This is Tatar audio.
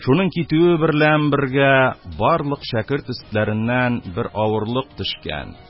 Шуның китүе берлән бергә барлык шәкерт өстләреннән бер авырлык төшкән